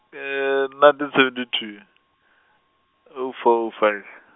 nineteen seventy two, oh four, oh five.